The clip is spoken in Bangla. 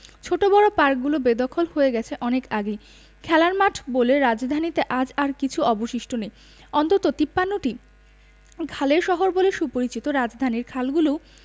ছোট বড় পার্কগুলো বেদখল হয়ে গেছে অনেক আগেই খেলার মাঠ বলে রাজধানীতে আজ আর কিছু অবশিষ্ট নেই অন্তত ৫৩টি খালের শহর বলে সুপরিচিত রাজধানীর খালগুলোও